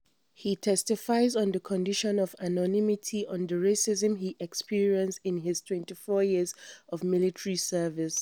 He testifies on the condition of anonymity on the racism he experienced in his 24 years of military service: